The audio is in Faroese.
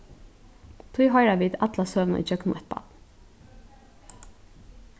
tí hoyra vit alla søguna ígjøgnum eitt barn